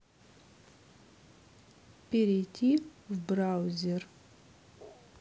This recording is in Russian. перейти в браузер